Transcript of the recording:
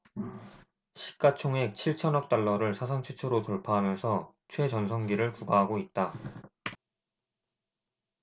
시가 총액 칠 천억 달러를 사상 최초로 돌파하면서 최전성기를 구가하고 있다